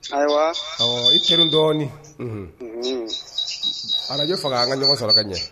Ayiwa i teri dɔɔninhun araj faga an ka ɲɔgɔn sɔrɔ ka ɲɛ